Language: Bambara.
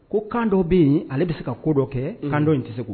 Ko kan dɔ bɛ yen ale bɛ se ka ko dɔ kɛ kan dɔ in tɛ se